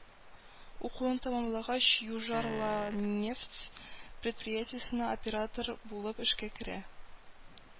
Укуын тәмамлагач, “Южарланнефть” предприятиесенә оператор булып эшкә керә